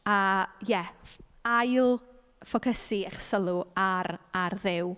A ie, ff- ail-ffocysu eich sylw ar ar Dduw.